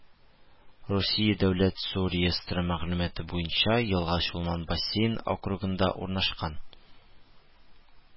Русия дәүләт су реестры мәгълүматы буенча елга Чулман бассейн округында урнашкан